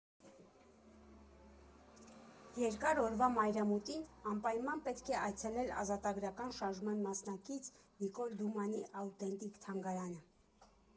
Երկար օրվա մայրամուտին անպայման պետք է այցելել ազատագրական շարժման մասնակից Նիկոլ Դումանի աուտենտիկ թանգարանը։